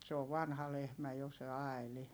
mutta se on vanha lehmä jo se Aili